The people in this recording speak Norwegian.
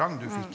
ja.